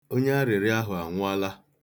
Onye arịrịọ ahụ anwụọla.